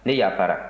ne yafara